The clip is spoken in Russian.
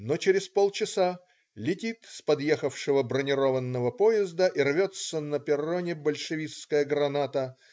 Но через полчаса летит с подъехавшего бронированного поезда и рвется на перроне большевистская граната.